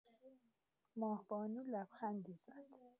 ماه‌بانو لبخندی زد